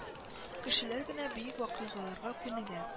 Кешеләр генә бөек вакыйгаларга күнегә